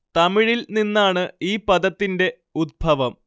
തമിഴിൽ നിന്നാണ് ഈ പദത്തിന്റെ ഉദ്ഭവം